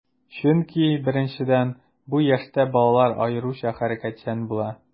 Чөнки, беренчедән, бу яшьтә балалар аеруча хәрәкәтчән була.